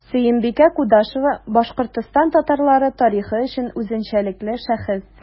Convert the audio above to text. Сөембикә Кудашева – Башкортстан татарлары тарихы өчен үзенчәлекле шәхес.